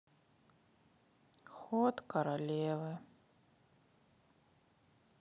ход королевы